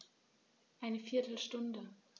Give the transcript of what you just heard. Eine viertel Stunde